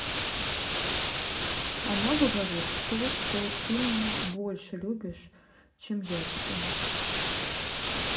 она говорит то что ты меня больше любишь чем я тебя